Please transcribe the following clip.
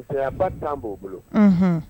Cɛya ba dan b'o bolo